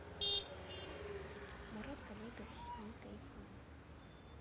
murat колегов я с ней кайфую